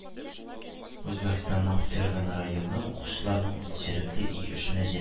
Үзбәкстанның Фергана районы укучыларын үзенчәлекле өй эшенә җәлеп иттеләр